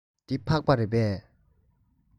འདི ཕག པ རེད པས